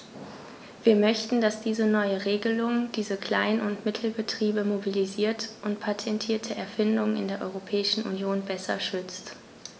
Wir möchten, dass diese neue Regelung diese Klein- und Mittelbetriebe mobilisiert und patentierte Erfindungen in der Europäischen Union besser schützt.